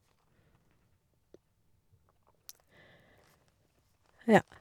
Ja.